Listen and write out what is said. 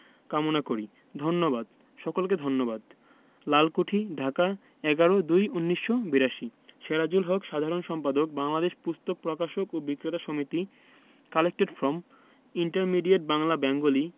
কামনা করি ধন্যবাদ সকলকে ধন্যবাদ লালকুঠি ঢাকা১১/০২/১৯৮২সেরাজুল হক সাধারণ সম্পাদক বাংলাদেশ পুস্তক প্রকাশক ও বিক্রেতা সমিতি collected from intermediate Bangla Bengali